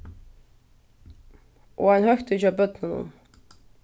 og ein høgtíð hjá børnunum